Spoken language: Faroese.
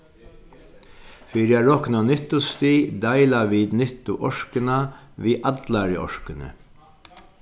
fyri at rokna nyttustig deila vit nyttuorkuna við allari orkuni